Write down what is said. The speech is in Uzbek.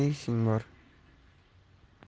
ne ishing bor